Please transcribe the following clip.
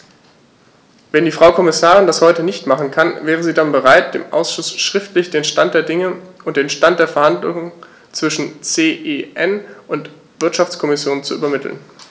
Wenn die Frau Kommissarin das heute nicht machen kann, wäre sie dann bereit, dem Ausschuss schriftlich den Stand der Dinge und den Stand der Verhandlungen zwischen CEN und Wirtschaftskommission zu übermitteln?